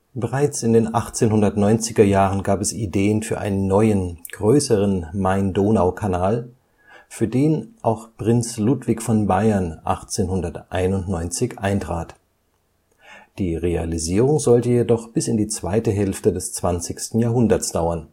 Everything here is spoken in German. Bereits in den 1890er Jahren gab es Ideen für einen neuen, größeren Main-Donau-Kanal, für den auch Prinz Ludwig von Bayern 1891 eintrat. Die Realisierung sollte jedoch bis in die zweite Hälfte des 20. Jahrhunderts dauern